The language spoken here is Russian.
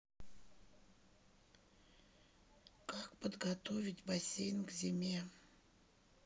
как подготовить бассейн к зиме